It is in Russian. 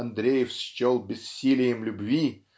Андреев счел бессилием любви